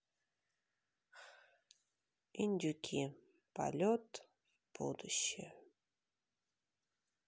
индюки полет в будущее